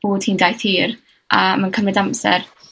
fod hi'n daith hir. A ma'n cymryd amser.